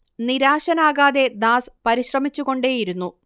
നിരാശനാകാതെ Das പരിശ്രമിച്ചുകൊണ്ടേയിരുന്നു